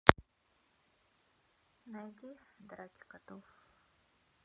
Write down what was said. найди драки котов